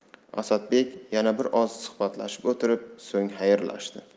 asadbek yana bir oz suhbatlashib o'tirib so'ng xayrlashdi